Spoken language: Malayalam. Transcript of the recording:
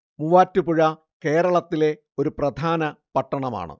മൂവാറ്റുപുഴ കേരളത്തിലെ ഒരു പ്രധാന പട്ടണമാണ്